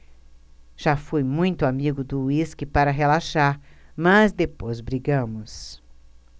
já fui muito amigo do uísque para relaxar mas depois brigamos